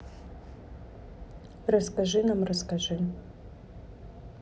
расскажи нам расскажи